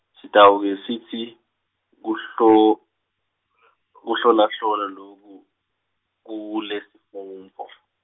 Sitawuke sitsi, kuhlo- kuhlolahlola loku, kulesifundvo.